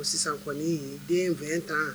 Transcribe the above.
O sisan kɔni den fɛn tan